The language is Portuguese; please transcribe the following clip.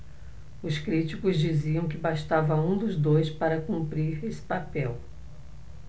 os críticos diziam que bastava um dos dois para cumprir esse papel